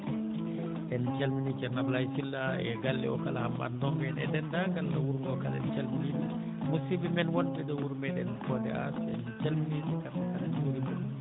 en calminii ceerno Ablaye Sylla e galle oo kala Hammat Ndongo en e denndaangal wuro ngoo kala en calminii ɗum musidɓe men wonɓe to wuro meɗen Fonde Ass en calminii ɓe kamɓe kala en njuuriima ɓe